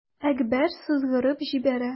Әкбәр сызгырып җибәрә.